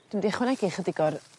Dw mynd i ychwanegu ychydig o'r